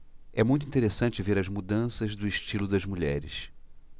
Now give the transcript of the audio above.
é muito interessante ver as mudanças do estilo das mulheres